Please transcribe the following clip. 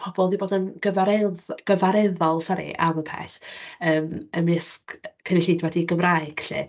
Pobl wedi bod yn gyfaredd- gyfareddol sori am y peth, yym ymysg cynulleidfa di-Gymraeg 'lly.